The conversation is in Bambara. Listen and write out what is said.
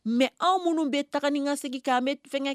Mɛ anw minnu bɛ taga ni ka segin kan an bɛ fɛn kɛ